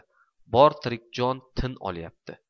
bor tirik jon tin olayapti